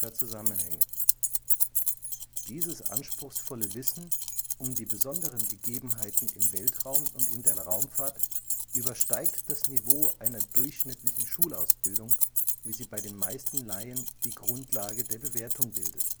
Zusammenhänge. Dieses anspruchsvolle Wissen um die besonderen Gegebenheiten im Weltraum und in der Raumfahrt übersteigt das Niveau einer durchschnittlichen Schulausbildung, wie sie bei den meisten Laien die Grundlage der Bewertung bildet